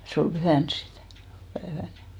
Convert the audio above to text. se oli pyhänä sitten päivällä